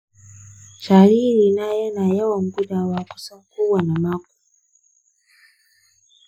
jaririna yana yawan gudawa kusan kowane mako.